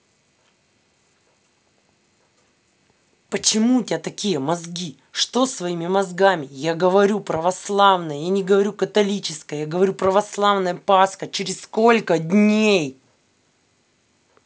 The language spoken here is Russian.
почему у тебя такие мозги что своими мозгами я говорю православная я не говорю католическая я говорю православная паска через сколько дней